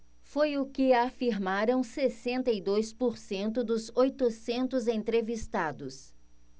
foi o que afirmaram sessenta e dois por cento dos oitocentos entrevistados